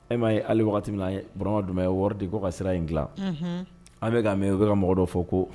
E ma ye hali waati min na Burama Dunbuya ye wari di ko ka sira in dilan. Unhun. An bɛ ka mɛn, u bɛka ka mɔgɔ dɔ fɔ ko.